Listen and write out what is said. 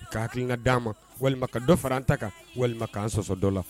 K'aki ka d di' ma walima ka dɔ fara an ta kan walima ka'an sɔsɔ dɔ la